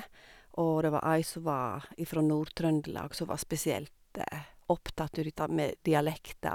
Og det var ei som var ifra Nord-Trøndelag som var spesielt opptatt av dette med dialekter.